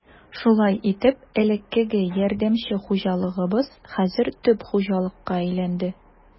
Шулай итеп, элеккеге ярдәмче хуҗалыгыбыз хәзер төп хуҗалыкка әйләнде.